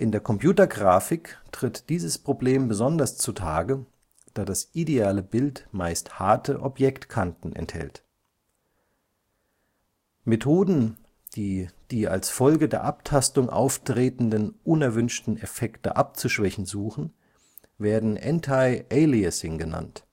der Computergrafik tritt dieses Problem besonders zutage, da das ideale Bild meist harte Objektkanten enthält. Methoden, die die als Folge der Abtastung auftretenden unerwünschten Effekte abzuschwächen suchen, werden Antialiasing genannt